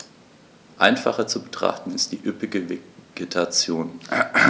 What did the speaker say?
Einfacher zu betrachten ist die üppige Vegetation.